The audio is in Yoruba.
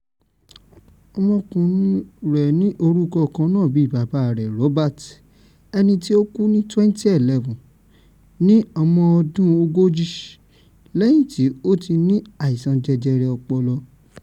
Ọmọkùnrin rẹ̀ ní orúkọ kannáà bíi bàbà rẹ̀ Robert, ẹnití ó kú ní 2011 ní ọmọ ọdún 40 lẹ́yìn tí ó ti ní àìsàn jẹjẹrẹ ọpọlọ.